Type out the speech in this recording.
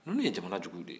ninnu ye jamana juguw de ye